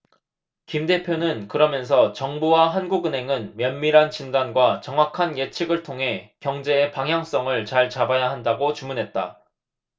김 대표는 그러면서 정부와 한국은행은 면밀한 진단과 정확한 예측을 통해 경제의 방향성을 잘 잡아야 한다고 주문했다